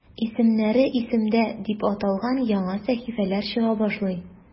"исемнәре – исемдә" дип аталган яңа сәхифәләр чыга башлый.